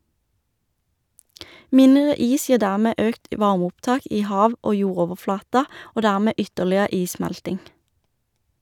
Mindre is gir dermed økt varmeopptak i hav- og jordoverflata, og dermed ytterligere issmelting.